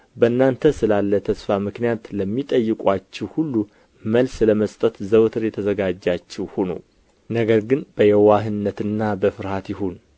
በእናንተ ስላለ ተስፋ ምክንያትን ለሚጠይቁዋችሁ ሁሉ መልስ ለመስጠት ዘወትር የተዘጋጃችሁ ሁኑ ነገር ግን በየዋህነትና በፍርሃት ይሁን